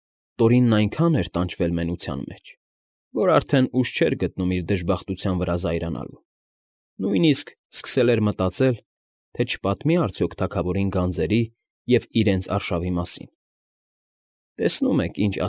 Տորինն այնքան էր տանջվել մենության մեջ, որ արդեն ուժ չէր գտնում իր դժբախտության վրա զայրանալու, նույնիսկ սկսել էր մտածել, թե չպատմի՞ արդյոք թագավորին գանձերի և իրենց արշավի մասին (տեսնում եք ինչ։